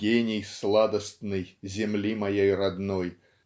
"гений сладостный земли моей родной"